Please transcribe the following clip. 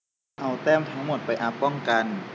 เอาแต้มทั้งหมดไปอัพป้องกัน